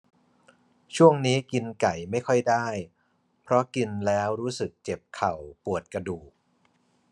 ช่วงนี้กินไก่ไม่ค่อยได้เพราะกินแล้วรู้สึกเจ็บเข่าปวดกระดูก